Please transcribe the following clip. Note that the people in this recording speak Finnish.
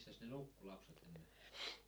missäs ne nukkui lapset ennen